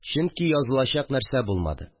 Чөнки язылачак нәрсә булмады.